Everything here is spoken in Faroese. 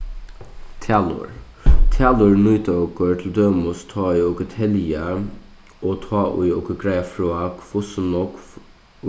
talorð talorð nýta okur til dømis tá ið okur telja og tá ið okur greiða frá hvussu nógv